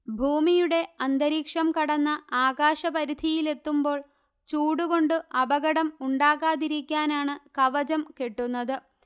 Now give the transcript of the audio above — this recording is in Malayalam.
ഭൂമിയുടെ അന്തരിക്ഷം കടന്ന ആകാശ പരിധിയിലെത്തുമ്പോൾ ചൂടുകൊണ്ടു അപകടം ഉണ്ടാകാതിരിക്കാനാണ് കവചം കെട്ടുന്നത്